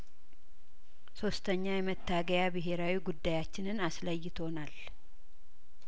ሶስተኛ የመታገያ ብሄራዊ ጉዳያችንን አስለይቶናል